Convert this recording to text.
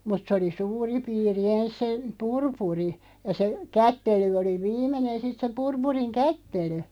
mutta se oli suuri piiri ensin se purpuri ja se kättely oli viimeinen sitten se purpurin kättely